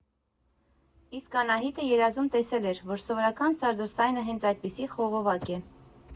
Իսկ Անահիտը երազում տեսել էր, որ սովորական սարդոստայնը հենց այդպիսի խողովակ է։